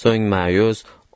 so'ng ma'yus